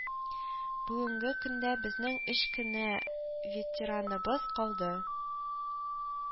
Бүгенге көндә безнең өч кенә ветераныбыз калды